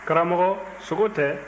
karamɔgɔ sogo tɛ